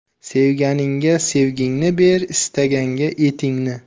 sevganingga sevgingni ber istaganga etingni